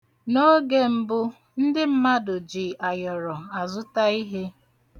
N'oge mbu, ndị mmadụ ji ayọrọ azụta ihe.